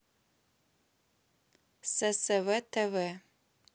ссв тв